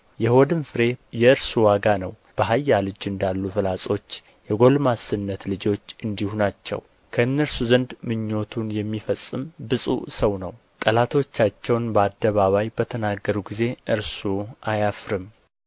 የሆድም ፍሬ የእርሱ ዋጋ ነው በኃያል እጅ እንዳሉ ፍላጾች የጐልማስነት ልጆች እንዲሁ ናቸው ከእነርሱ ዘንድ ምኞቱን የሚፈጽም ብፁዕ ሰው ነው ጠላቶቻቸውን በአደባባይ በተናገሩ ጊዜ እርሱ አያፍርም